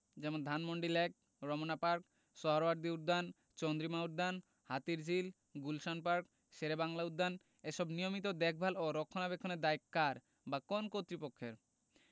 যেমন Dhanmondi lake Ramna park Suhrawardy উদ্যান চন্দ্রিমা উদ্যান হাতিরঝিল গুলশান পার্ক শেরেবাংলা উদ্যান এসব নিয়মিত দেখভাল ও রক্ষণাবেক্ষণের দায় কার বা কোন্ কর্তৃপক্ষের